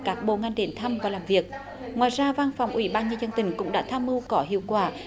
các bộ ngành đến thăm và làm việc ngoài ra văn phòng ủy ban nhân dân tỉnh cũng đã tham mưu có hiệu quả